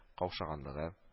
Каушаганлыгы